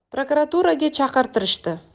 prokuraturaga chaqirtirishdi